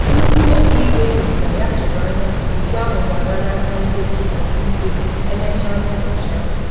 Nnukwu ọkaikpe kwuru na ya tụrụ anya na ikpe ahụ ga-aga n’aka ndị otu ọkaikpe emechaa n’ụbọchị ahụ.